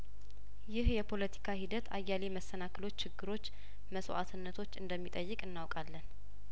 ይህ የፖለቲካ ሂደት አያሌ መሰናክሎች ችግሮች መስዋእት ነቶች እንደሚጠይቅ እናውቃለን